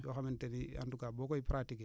yoo xamante ni en tout cas boo koy pratiquer